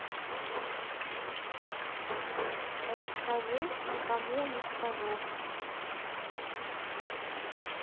расскажи никому не скажу